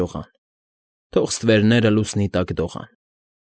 Շողան, Թող ստվերները լուսնի տակ դողան։